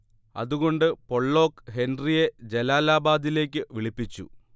അതുകൊണ്ട് പൊള്ളോക്ക് ഹെൻറിയെ ജലാലാബാദിലേക്ക് വിളിപ്പിച്ചു